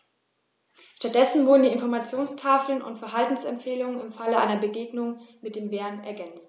Stattdessen wurden die Informationstafeln um Verhaltensempfehlungen im Falle einer Begegnung mit dem Bären ergänzt.